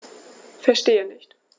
Verstehe nicht.